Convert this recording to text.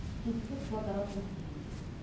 Институт благородных девиц